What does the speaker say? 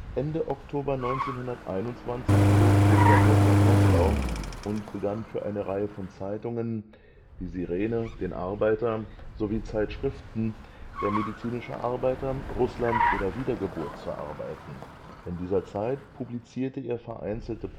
Ende Oktober 1921 zog Bulgakow nach Moskau und begann für eine Reihe von Zeitungen (Sirene, Arbeiter) sowie Zeitschriften (Der Medizinische Arbeiter, Russland ‚ Wiedergeburt) zu arbeiten. In dieser Zeit publizierte er vereinzelte Prosastücke